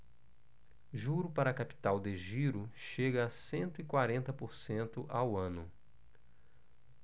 juro para capital de giro chega a cento e quarenta por cento ao ano